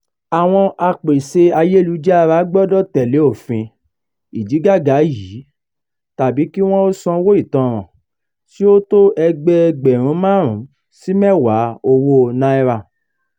Àwọn apèsè ayélujára gbọdọ̀ tẹ̀lé òfin ìdígàgá yìí tàbí kí wọ́n ó sanwó ìtanràn tí ó tó ẹgbẹẹgbẹ̀rún 5 sí 10 owó naira